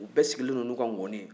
u bɛɛ sigilen don n'u ka ngɔni ye